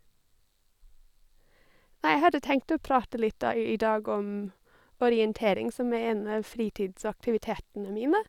Jeg hadde tenkt å prate litt, da, i dag om orientering, som er en av fritidsaktivitetene mine.